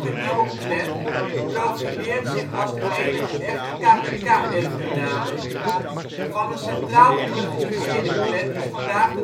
nieuwe Klan profileert zich als de enige echte KKK-erfgename. Van een centraal georganiseerde Klan is vandaag